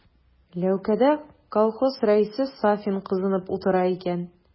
Ләүкәдә колхоз рәисе Сафин кызынып утыра икән.